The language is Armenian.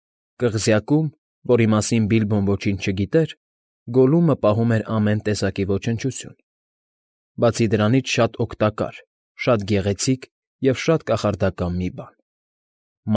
Կղզյակում, որի մասին Բիլբոն ոչինչ չգիտեր, Գոլլումը պահում էր ամեն տեսակի ոչնչություն, բացի դրանից՝ շատ օգտակար, շատ գեղեցիկ և շատ կախարդական մի բան։